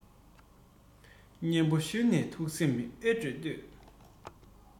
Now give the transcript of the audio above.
སྙན པོ ཞུས ནས ཐུགས སེམས ཨེ སྤྲོ ལྟོས